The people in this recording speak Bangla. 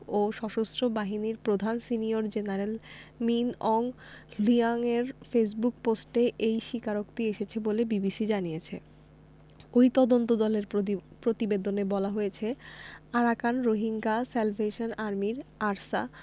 ও সশস্ত্র বাহিনীর প্রধান সিনিয়র জেনারেল মিন অং হ্লিয়াংয়ের ফেসবুক পোস্টে এই স্বীকারোক্তি এসেছে বলে বিবিসি জানিয়েছে ওই তদন্তদলের প্রতিবেদনে বলা হয়েছে আরাকান রোহিঙ্গা স্যালভেশন আর্মির আরসা